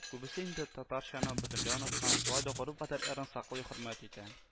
Күбесе инде татарчаны бөтенләй оныткан, шулай да гореф-гадәтне саклый, хөрмәт итә